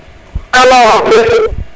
*